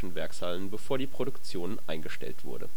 Werkshallen bevor die Produktion eingestellt wurde